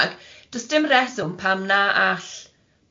does dim reswm pam na all